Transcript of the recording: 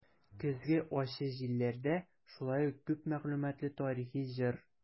"көзге ачы җилләрдә" шулай ук күп мәгълүматлы тарихи җыр.